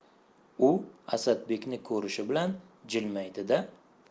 u asadbekni ko'rishi bilan jilmaydi da